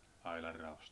aidanraosta